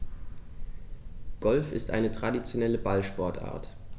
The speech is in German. Golf ist eine traditionelle Ballsportart.